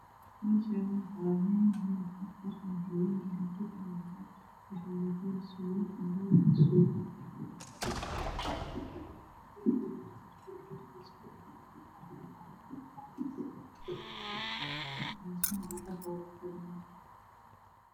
Meeshaani waa meel hool waxaa jooga gabdho wiilal darbiga kalarkisa wa qalin kuraasman cadaan ayaa yaalo